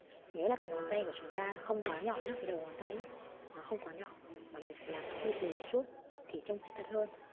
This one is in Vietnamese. nhớ là cái móng tay của chúng ta không quá nhọn nhé mà nó hơi tù một chút thì trông sẽ thật hơn